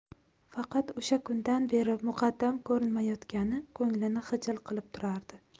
faqat o'sha kundan beri muqaddam ko'rinmayotgani ko'nglini xijil qilib turardi